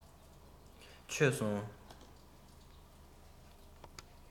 མཆོད སོང